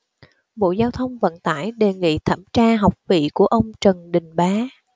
bộ giao thông vận tải đề nghị thẩm tra học vị của ông trần đình bá